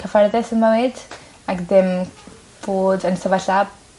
cyffyrddus ym mywyd ac dim fod yn sefyllfa